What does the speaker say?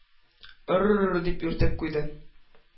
- ыр-р-р! – дип, үртәп куйды.